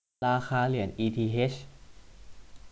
ราคาเหรียญอีทีเฮช